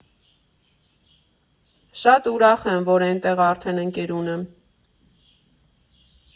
Շատ ուրախ եմ, որ էնտեղ արդեն ընկեր ունեմ։